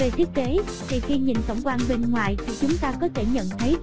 về thiết kế thì khi nhìn tổng quan bên ngoài thì chúng ta có thể nhận thấy rằng